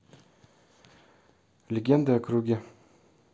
легенды о круге